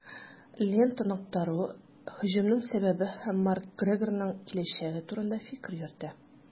"лента.ру" һөҗүмнең сәбәбе һәм макгрегорның киләчәге турында фикер йөртә.